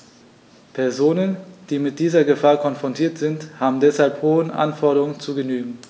Personen, die mit dieser Gefahr konfrontiert sind, haben deshalb hohen Anforderungen zu genügen.